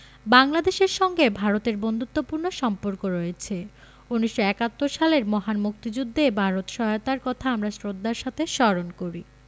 বাংলাদেশের সঙ্গে ভারতের বন্ধুত্তপূর্ণ সম্পর্ক রয়েছে ১৯৭১ সালের মহান মুক্তিযুদ্ধে ভারত সহায়তার কথা আমরা শ্রদ্ধার সাথে স্মরণ করি